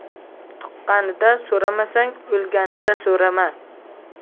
tuqqanida so'ramasang o'lganida so'rama